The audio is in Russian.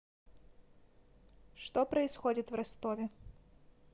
что происходит в ростове